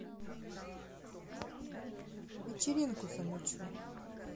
вечеринку замучу